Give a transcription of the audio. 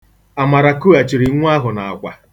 Amara kughachiri nwa ahụ n'akwa.